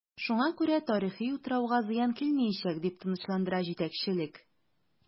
Шуңа күрә тарихи утрауга зыян килмиячәк, дип тынычландыра җитәкчелек.